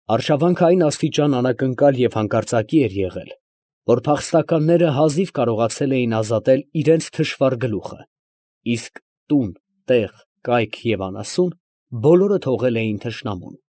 Արշավանքը այն աստիճան անակնկալ և հանկարծակի էր եղել, որ փախստականներն հազիվ կարողացել էին ազատել իրանց թշվառ գլուխը, իսկ տուն, տեղ, կայք և անասուն, բոլորը թողել էին թշնամուն։